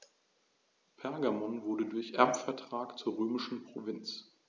Pergamon wurde durch Erbvertrag zur römischen Provinz.